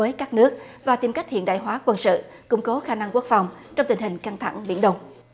với các nước và tìm cách hiện đại hóa quân sự củng cố khả năng quốc phòng trong tình hình căng thẳng biển đông